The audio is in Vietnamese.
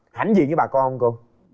hãnh diện với bà con không cô